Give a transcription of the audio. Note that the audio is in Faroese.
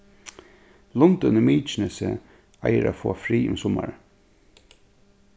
lundin í mykinesi eigur at fáa frið um summarið